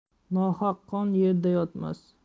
nohaq qon yerda yotmas